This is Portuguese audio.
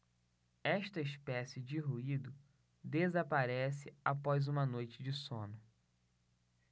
esta espécie de ruído desaparece após uma noite de sono